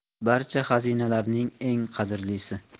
vaqt barcha xazinalarning eng qadrlisi